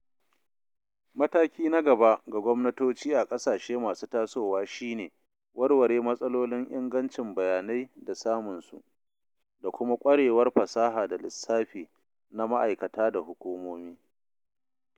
Mataki na gaba ga gwamnatoci a ƙasashe masu tasowa shine warware matsalolin ingancin bayanai da samun su, da kuma ƙwarewar fasaha da lissafi na ma’aikata da hukumomi.